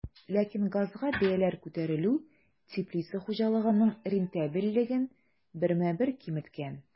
Ләкин газга бәяләр күтәрелү теплица хуҗалыгының рентабельлеген бермә-бер киметкән.